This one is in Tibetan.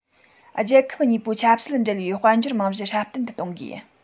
རྒྱལ ཁབ གཉིས པོའི ཆབ སྲིད འབྲེལ བའི དཔལ འབྱོར རྨང གཞི སྲ བརྟན དུ གཏོང དགོས